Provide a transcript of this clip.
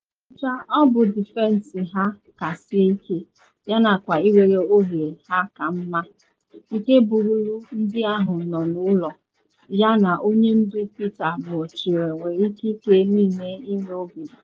Na ngwụcha, ọ bụ difensị ha ka sie ike, yanakwa iwere ohere ha ka mma, nke burulu ndị ahụ nọ n’ụlọ, yana onye ndu Peter Murchie nwere ikike niile ịnwe obi ụtọ.